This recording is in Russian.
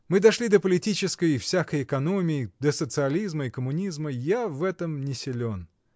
Мы дошли до политической и всякой экономии, до социализма и коммунизма — я в этом не силен.